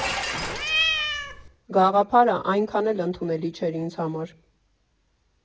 Գաղափարը այնքան էլ ընդունելի չէր ինձ համար։